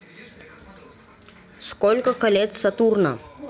сколько колец сатурна